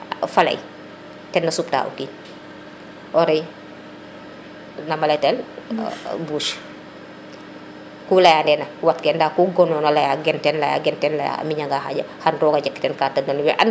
faley tena supta o kiin oreille nama ley tel bouche ku leya ndena wat ke nda ku genona leya gen teen leya a miña nga xaƴa xan rooga jeg teen ka te we an na